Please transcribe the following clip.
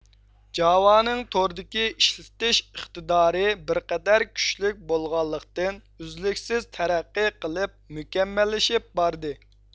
جاۋا نىڭ توردىكى ئىشلىتىلىش ئىقتىدارى بىرقەدەر كۈچلۈك بولغانلىقتىن ئۈزلۈكسىز تەرەققىي قىلىپ مۇكەممەللىشىپ باردى